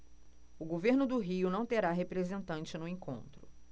o governo do rio não terá representante no encontro